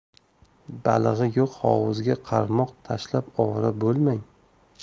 balig'i yo'q hovuzga qarmoq tashlab ovora bo'lmang